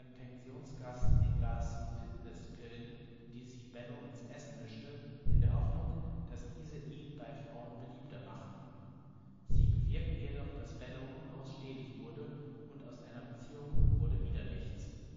Pensionsgast ein Glas „ Fitnesspillen “, die sie Benno ins Essen mischte in der Hoffnung, dass diese ihn bei Frauen beliebter machten. Sie bewirkten jedoch, dass Benno unausstehlich wurde, und aus einer Beziehung wurde wieder nichts